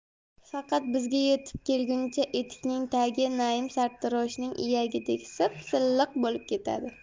faqat bizga yetib kelguncha etikning tagi naim sartaroshning iyagidek sipsilliq bo'lib ketadi